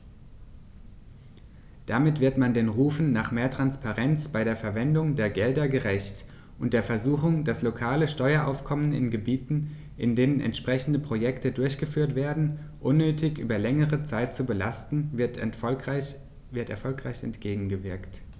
Damit wird man den Rufen nach mehr Transparenz bei der Verwendung der Gelder gerecht, und der Versuchung, das lokale Steueraufkommen in Gebieten, in denen entsprechende Projekte durchgeführt werden, unnötig über längere Zeit zu belasten, wird erfolgreich entgegengewirkt.